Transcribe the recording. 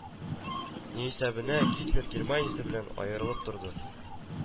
Неисәбенә Гитлер Германиясебелән аерылып торды